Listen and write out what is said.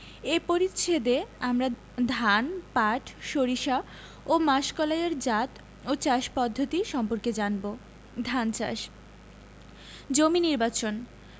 এ পরিচ্ছেদে আমরা ধান পাট সরিষা ও মাসকলাই এর জাত ও চাষ পদ্ধতি সম্পর্কে জানব ধান চাষ জমি নির্বাচনঃ